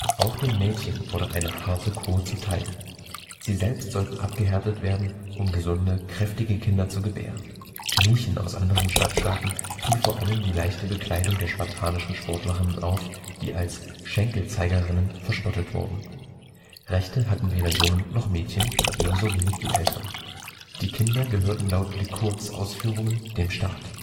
Auch den Mädchen wurde eine harte Kur zuteil. Sie sollten abgehärtet werden, um gesunde, kräftige Kinder zu gebären. Griechen aus anderen Stadtstaaten fiel vor allem die leichte Bekleidung der spartanischen Sportlerinnen auf, die als „ Schenkelzeigerinnen “verspottet wurden. Rechte hatten weder Jungen noch Mädchen, ebenso wenig die Eltern. Die Kinder gehörten laut Lykurgs Ausführungen dem Staat